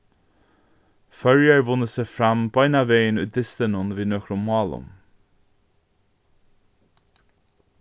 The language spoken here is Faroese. føroyar vunnu seg fram beinanvegin í dystinum við nøkrum málum